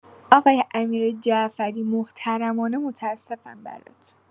آقای امیرجعفری محترمانه متاسفم برات